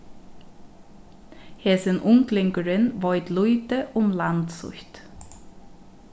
hesin unglingurin veit lítið um land sítt